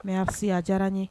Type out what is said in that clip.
Merci a diyara n ye